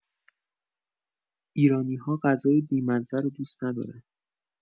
ایرانی‌‌ها غذای بی‌مزه رو دوست ندارن.